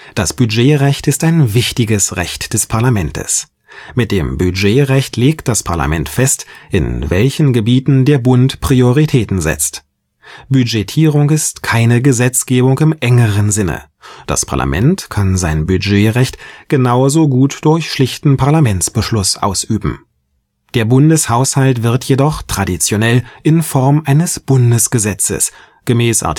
Das Budgetrecht ist ein wichtiges Recht des Parlamentes. Mit dem Budgetrecht legt das Parlament fest, in welchen Gebieten der Bund Prioritäten setzt. Budgetierung ist keine Gesetzgebung im engeren Sinne. Das Parlament kann sein Budgetrecht genau so gut durch schlichten Parlamentsbeschluss ausüben. Der Bundeshaushalt wird jedoch traditionell in Form eines Bundesgesetzes –